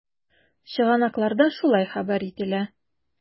Чыганакларда шулай хәбәр ителә.